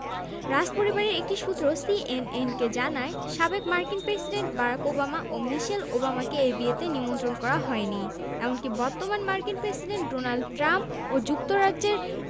Kensington Palace থেকে ঘোষণা দেওয়া হয়েছে এই রাজদম্পতি কোনো রাজনৈতিক নেতাকে তাঁদের বিয়েতে নিমন্ত্রণ করবেন না আর করলেও সেটি ব্যক্তিগত সম্পর্কের ভিত্তিতে কোনো রাজনৈতিক পদবির কারণে নয়